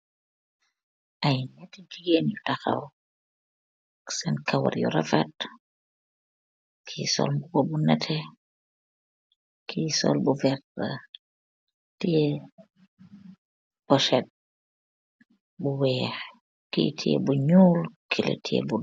Ay jigeen yu tahaw sen gawar yi refet gi sol nu bubax nu netex ki sol bu wertaah teex poset nu weex ki teex nu gul keleex teex bu